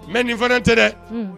Mɛ nin fana tɛ dɛ